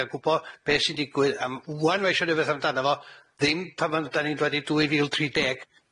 ga'l gwbo be' sy'n digwydd am ŵan ma' isho neud wbeth amdano fo ddim pan ma' 'da ni'n dod i dwy fil tri deg.